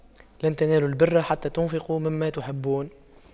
لَن تَنَالُواْ البِرَّ حَتَّى تُنفِقُواْ مِمَّا تُحِبُّونَ